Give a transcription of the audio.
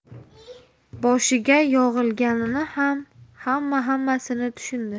boshiga yog'ilganini ham hamma hammasini tushundi